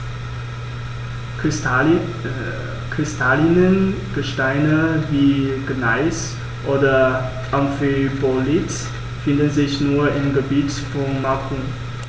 Kristalline Gesteine wie Gneis oder Amphibolit finden sich nur im Gebiet von Macun.